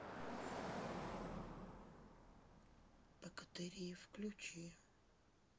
богатыри включи